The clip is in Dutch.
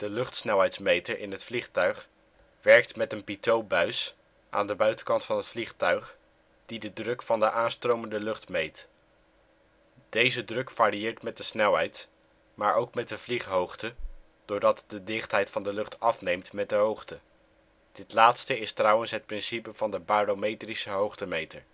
luchtsnelheidsmeter in het vliegtuig werkt met een pitotbuis aan de buitenkant van het vliegtuig, die de druk van de aanstromende lucht meet. Deze druk varieert met de snelheid, maar ook met de vlieghoogte doordat de dichtheid van de lucht afneemt met de hoogte (dit laatste is trouwens het principe van de (barometrische) hoogtemeter